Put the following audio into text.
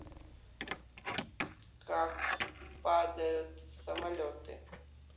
как падают самолеты